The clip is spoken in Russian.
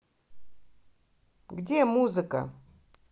где музыка